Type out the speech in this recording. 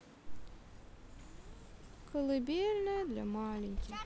колыбельная для маленьких